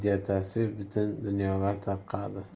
videotasvir butun dunyoga tarqadi